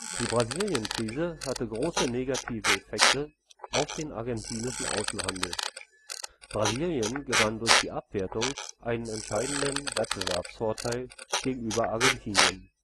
die Brasilienkrise hatte große negative Effekte auf den argentinischen Außenhandel. Brasilien gewann durch die Abwertung einen entscheidenden Wettbewerbsvorteil gegenüber Argentinien